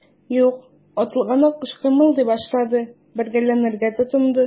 Юк, атылган аккош кыймылдый башлады, бәргәләнергә тотынды.